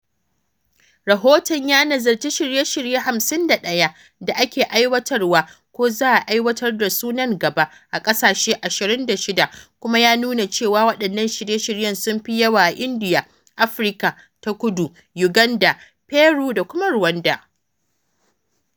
Rahoton ya nazarci shirye-shirye 51 da ake aiwatarwa ko za a aiwatar da su nan gaba a ƙasashe 26, kuma ya nuna cewa waɗannan shirye-shiryen sun fi yawa a Indiya, Afirka ta Kudu, Uganda, Peru, da kuma Rwanda.